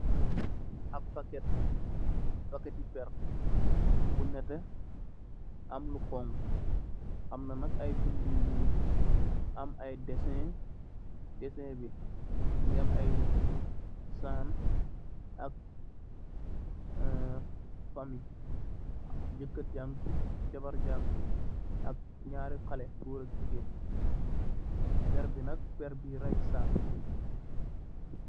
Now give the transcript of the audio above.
Ap packet packeti perr bu nete am lu xonxu am nete amna nak ay binda yu nuul am ay desen desen bi mogi a ay saan ak ar family jekarr jagi si ak jabarr gang s ak naari xale goor ak jigéen perr bi nak perr bui raay saan la.